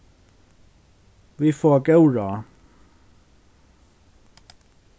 vit fáa góð ráð